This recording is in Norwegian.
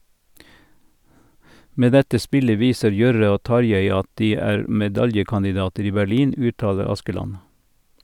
Med dette spillet viser Jørre og Tarjei at de er medaljekandidater i Berlin, uttaler Askeland.